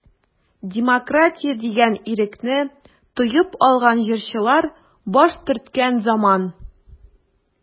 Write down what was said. Демократия дигән ирекне тоеп алган җырчылар баш төрткән заман.